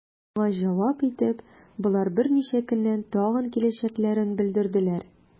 Моңа җавап итеп, болар берничә көннән тагын киләчәкләрен белдерделәр.